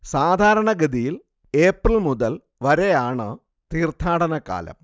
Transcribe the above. സാധാരണ ഗതിയിൽ ഏപ്രിൽ മുതൽ വരെയാണ് തീർത്ഥാടന കാലം